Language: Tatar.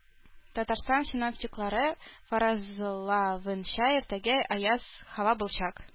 Татарстан синоптиклары фаразлавынча, иртәгә аяз һава булачак